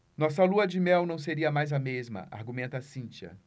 nossa lua-de-mel não seria mais a mesma argumenta cíntia